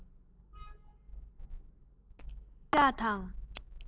བྱ བཞག དང